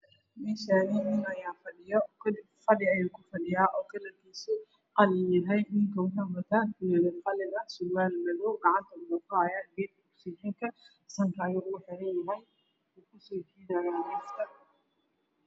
Meeshaani nin ayaa fadhiyo fadhi ayu ku fadhiyaa oo kalarkiisa qalin yahay ninka wuxuu wataa funaanad qalin surwaal madow gacanta ayuu ku yahaa sanka oogu xiranyahay wuxuu soo jiidaayaa miiska